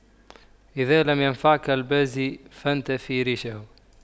إذا لم ينفعك البازي فانتف ريشه